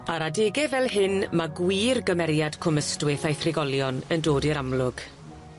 Ar adege fel hyn, ma' gwir gymeriad Cwm Ystwyth a'i thregolion yn dod i'r amlwg.